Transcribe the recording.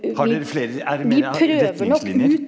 har dere flere er det mere retningslinjer?